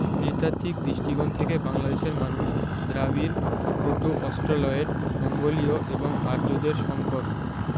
নৃতাত্ত্বিক দৃষ্টিকোণ থেকে বাংলাদেশের মানুষ দ্রাবিড় প্রোটো অস্ট্রালয়েড মঙ্গোলীয় এবং আর্যদের সংকর